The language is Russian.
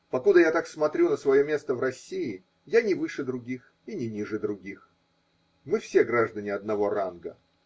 Покуда я так смотрю на свое место в России, я не выше других и не ниже других, мы все граждане одного ранга.